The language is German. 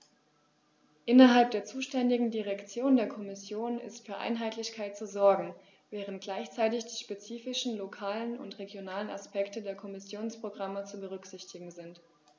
Innerhalb der zuständigen Direktion der Kommission ist für Einheitlichkeit zu sorgen, während gleichzeitig die spezifischen lokalen und regionalen Aspekte der Kommissionsprogramme zu berücksichtigen sind.